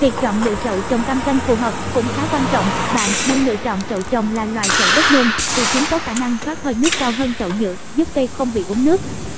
việc chọn lựa chậu trồng cam canh phù hợp cũng khá quan trọng bạn nên lựa chọn chậu trồng là loại chậu đất nung vì chúng có khả năng thoát hơi nước cao hơn chậu nhựa giúp cây không bị úng nước